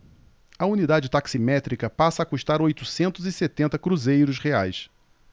a unidade taximétrica passa a custar oitocentos e setenta cruzeiros reais